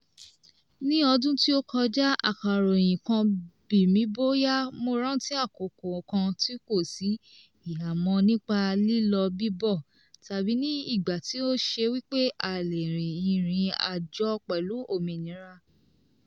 Ní ọdún tí ó kọjá, akọ̀ròyìn kan bimí bóyá mo rántí àkókò kan tí kò sì ìhámọ́ nípa lílọ-bíbọ̀ tàbí ní ìgbà tí ó ṣe wípé a lè rin ìrìn àjò pẹ̀lú òmìnira.